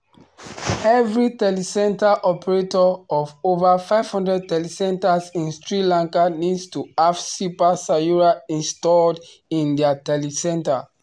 Every telecentre operator of over 500 telecentres in Sri Lanka needs to have Shilpa Sayura installed in their telecentre.